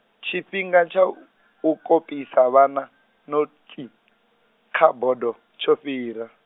tshifhinga tsha u kopisa vhana notsi, kha bodo, tsho fhira.